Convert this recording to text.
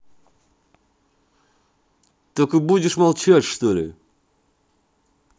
так и будешь молчать что ли